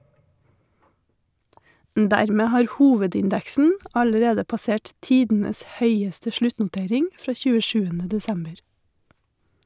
Dermed har hovedindeksen allerede passert tidenes høyeste sluttnotering fra 27. desember.